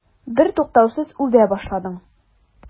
Бертуктаусыз үбә башладың.